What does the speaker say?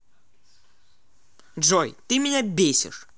джой ты меня бесишь